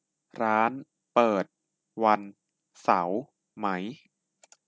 ร้านเปิดวันเสาร์ไหม